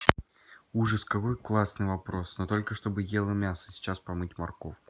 ужас какой классный вопрос но только чтобы ела мясо сейчас помыть морковку